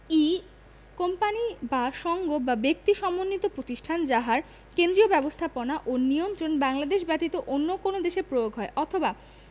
ই company বা সঙ্গ বা ব্যক্তি সমন্বিত প্রতিষ্ঠান যাহার কেন্দ্রীয় ব্যবস্থাপনা ও নিয়ন্ত্রণ বাংলাদেশ ব্যতীত অন্য কোন দেশে প্রয়োগ হয় অথবা